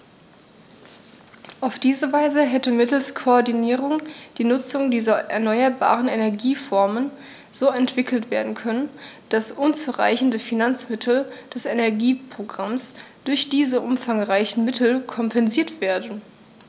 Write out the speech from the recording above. Auf diese Weise hätte mittels Koordinierung die Nutzung dieser erneuerbaren Energieformen so entwickelt werden können, dass unzureichende Finanzmittel des Energieprogramms durch diese umfangreicheren Mittel kompensiert werden.